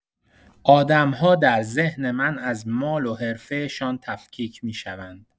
آدم‌ها در ذهن من از مال و حرفه‌شان تفکیک می‌شوند.